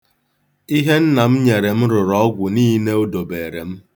Ihe nna m nyere m rụru ọgwụ niile o dobeere m.